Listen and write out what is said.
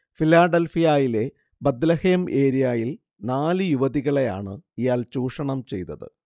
ഫിലാഡൽഫിയയിലെ Bethlehem ഏരിയയിൽ നാലു യുവതികളെയാണ് ഇയാൾ ചൂഷണം ചെയ്തത്